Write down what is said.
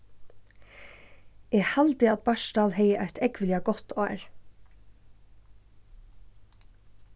eg haldi at bartal hevði eitt ógvuliga gott ár